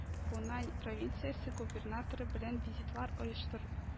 Хунань провинциясе губернаторы белән визитлар оештыр